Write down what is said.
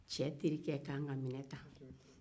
cɛ terike ka kan ka minɛ tan